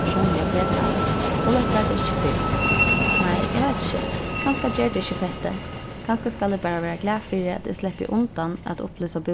persónliga p-tal soleiðis var tað ikki fyrr nei eg veit ikki kanska ger tað ikki petti kanska skal eg bara vera glað fyri at eg sleppi undan at upplýsa